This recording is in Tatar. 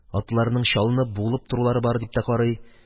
Атларның чалынып, буылып торулары бар, дип тә карый.